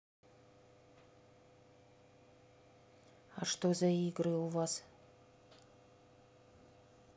а что за игры у вас